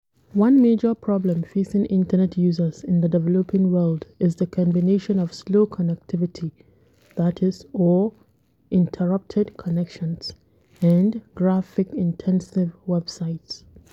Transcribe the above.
One major problem facing internet users in the developing world is the combination of slow connectivity (or, interrupted connections) and graphic-intensive websites.